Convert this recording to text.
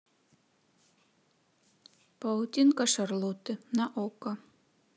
паутинка шарлотты на окко